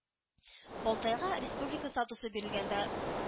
Балтайга республика статусы бирелгәндә